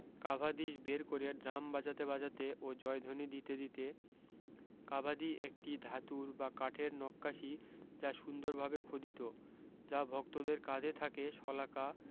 কাভাদিস বের করে ড্রাম বাজাতে বাজাতে ও জয়ধ্বনি দিতে দিতে কাভাদি একটি ধাতুর বা কাঠের নক্কাসি যা সুন্দরভাবে খদিত যা ভক্তদের কাঁধে থাকে শলাকা